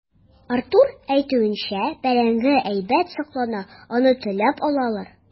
Артур әйтүенчә, бәрәңге әйбәт саклана, аны теләп алалар.